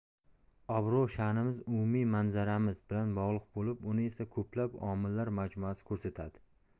obro' sha'nimiz umumiy manzaramiz bilan bog'liq bo'lib uni esa ko'plab omillar majmuasi ko'rsatadi